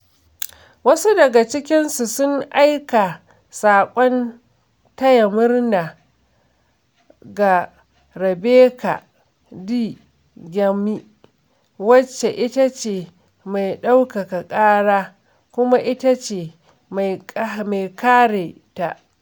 Wasu daga cikinsu sun aika saƙon taya murna ga Rebeca ɗ. Gyumi, wacce ita ce mai ɗaukaka ƙara kuma ita ce mai kare ta.